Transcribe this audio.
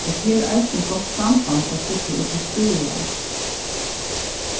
og tað er eisini gott samband at sigla út til skúvoyar